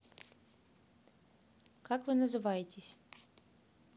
как вы называетесь